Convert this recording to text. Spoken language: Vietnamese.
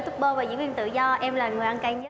túp bơ và diễn viên tự do em là người ăn cay nhất